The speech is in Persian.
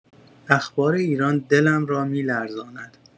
اخبار ایران دلم را می‌لرزاند.